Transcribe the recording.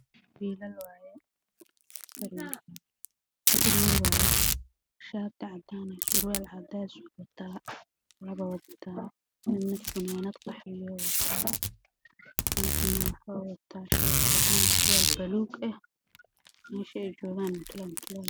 Afar wiil waayo shaati cadaan ah bey wataan